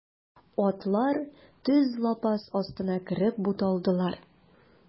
Атлар төз лапас астына кереп буталдылар.